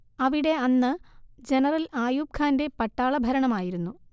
അവിടെ അന്ന് ജനറൽ ആയൂബ്ഖാന്റെ പട്ടാളഭരണം ആയിരുന്നു